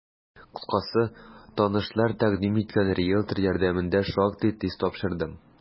Кыскасы, танышлар тәкъдим иткән риелтор ярдәмендә шактый тиз тапшырдым.